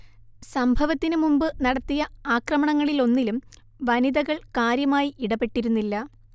സംഭവത്തിനു മുമ്പ് നടത്തിയ ആക്രമണങ്ങളിലൊന്നിലും വനിതകൾ കാര്യമായി ഇടപെട്ടിരുന്നില്ല